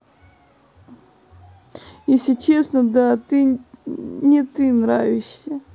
если честно да не ты нравишься